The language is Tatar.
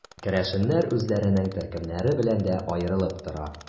Керәшеннәр үзләренең төркемнәре белән дә аерылып тора.